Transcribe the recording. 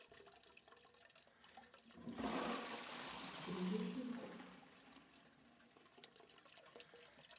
сергей синьков